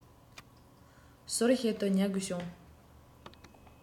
ཟུར ཞིག ཏུ ཉལ དགོས བྱུང